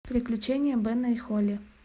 приключения бена и холли